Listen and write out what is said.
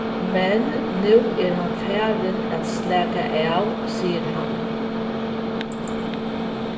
men nú er hann farin at slaka av sigur hann